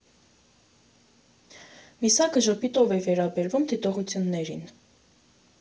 Միսակը ժպիտով է վերաբերվում դիտողություններին.